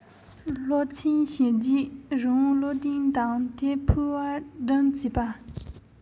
སློབ ཚན ཞེ བརྒྱད རི བོང བློ ལྡན དང དེ ཕོས བར སྡུམ བྱེད པ